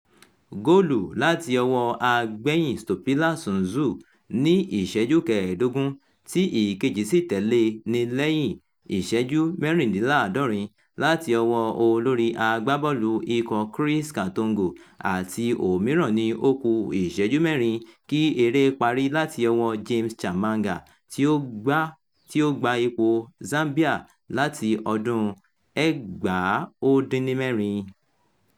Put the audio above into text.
Góòlù láti ọwọ́ agbéyìn Stopilla Sunzu ni ìṣẹ́jú kẹẹ̀dógún, tí ìkejì sì tẹ̀lé e ní lẹ́yìn ìṣẹ́jú mẹ́rìndínláàdọ́rin láti ọwọ́ olorí agbábọ́ọ̀lù ikọ̀ Chris Katongo àti òmíràn ní ó kú ìṣẹ́jú mẹ́rin kí eré parí láti ọwọ́ James Chamanga, tí ó gba ipò Zambia láti ọdún 1996.